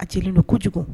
A cɛlen don ko kojugu